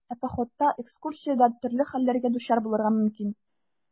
Ә походта, экскурсиядә төрле хәлләргә дучар булырга мөмкин.